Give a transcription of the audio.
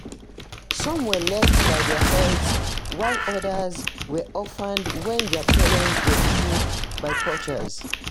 Some were left by their herds, while others were orphaned when their parents were killed by poachers.